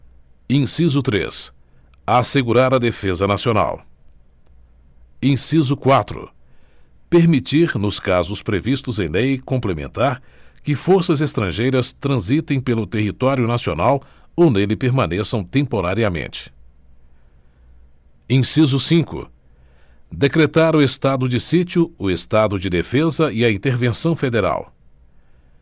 inciso três assegurar a defesa nacional inciso quatro permitir nos casos previstos em lei complementar que forças estrangeiras transitem pelo território nacional ou nele permaneçam temporariamente inciso cinco decretar o estado de sítio o estado de defesa e a intervenção federal